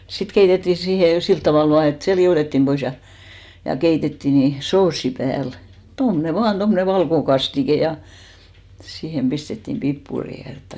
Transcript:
sitten keitettiin siihen sillä tavalla vain että se liotettiin pois ja ja keitettiin niin soosi päälle tuommoinen vain tuommoinen valkokastike ja siihen pistettiin pippuria ja jotakin